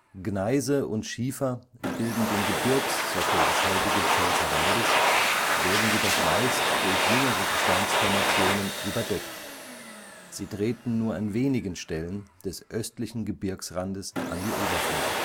Gneise und Schiefer bilden den Gebirgssockel des heutigen Pfälzerwaldes, werden jedoch meist durch jüngere Gesteinsformationen überdeckt. Sie treten nur an wenigen Stellen des östlichen Gebirgsrandes an die Oberfläche